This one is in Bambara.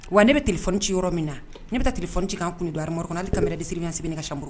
Wa ne bɛ tile f ci yɔrɔ min na ne bɛ tile f cikan kan kun dɔɔnin yɔrɔ kɔnɔ na'li kama minɛ bilisisiriyasin naka samo